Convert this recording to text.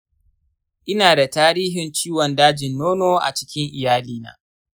ina da tarihin ciwon dajin nono a cikin iyalina.